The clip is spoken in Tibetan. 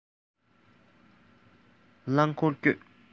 རླང འཁོར བསྐྱོད